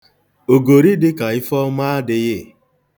Ogori dịka Ifeọma adịghị.